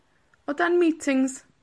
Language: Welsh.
o dan Meetings,